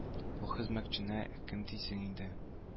Үз хезмәтчесенә кем тисен инде